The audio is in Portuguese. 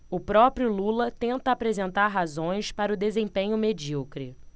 o próprio lula tenta apresentar razões para o desempenho medíocre